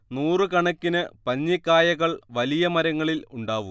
നൂറുകണക്കിന് പഞ്ഞിക്കായകൾ വലിയ മരങ്ങളിൽ ഉണ്ടാവും